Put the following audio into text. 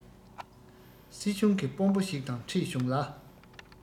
སྲིད གཞུང གི དཔོན པོ ཞིག དང འཕྲད བྱུང ལ